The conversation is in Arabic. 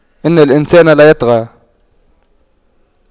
إِنَّ الإِنسَانَ لَيَطغَى